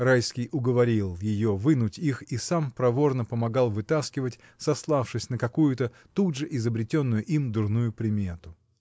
Райский уговорил ее вынуть их и сам проворно помогал вытаскивать, сославшись на какую-то тут же изобретенную им дурную примету.